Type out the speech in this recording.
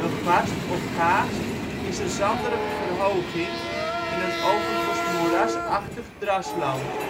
gast ' of ' gaast ' is een zanderige verhoging in een overigens moerasachtig drasland